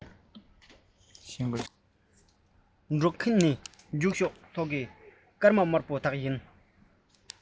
འགྲོགས མཁན ནི རྒྱུགས ཤོག རྒྱུགས ཤོག ཐོག གི སྐར མ དམར པོ དག ཡིན